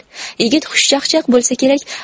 yigit xushchaqchaq bo'lsa kerak